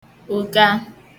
ụ̀ga